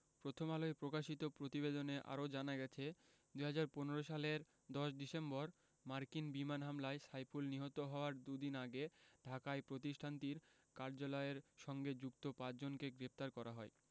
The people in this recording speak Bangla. প্রথম আলোয় প্রকাশিত প্রতিবেদনে আরও জানা গেছে ২০১৫ সালের ১০ ডিসেম্বর মার্কিন বিমান হামলায় সাইফুল নিহত হওয়ার দুদিন আগে ঢাকায় প্রতিষ্ঠানটির কার্যালয়ের সঙ্গে যুক্ত পাঁচজনকে গ্রেপ্তার করা হয়